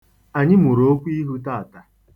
Anỵi mụrụ okwuihu taata.